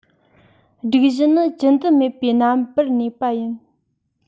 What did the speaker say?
སྒྲིག གཞི ནི ཅི འདི མེད པའི རྣམ པར གནས པ ཡིན